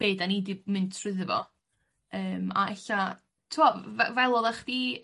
be' 'dan ni 'di mynd trwyddo fo yym a ella t'mo' fy- fel oddach chdi